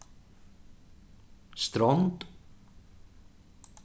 strond